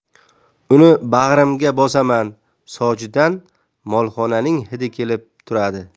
uni bag'rimga bosaman sochidan molxonaning hidi kelib turadi